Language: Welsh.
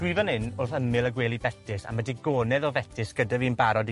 Dwi fan 'yn wrth ymyl y gwely betys. a ma' digonedd o fetys gyda fi'n barod i